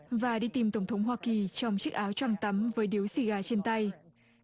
và đi tìm tổng thống hoa kỳ trong chiếc áo choàng tắm với điếu xì gà trên tay